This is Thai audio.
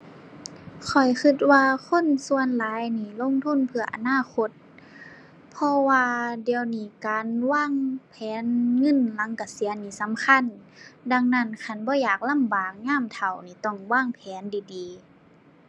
ข้อยคิดว่าคนส่วนหลายนี่ลงทุนเพื่ออนาคต เพราะว่าเดี๋ยวนี้การวางแผนเงินหลังเกษียณนี่สำคัญ ดังนั้นคันบ่อยากลำบากยามเฒ่านี่ ต้องวางแผนดีดี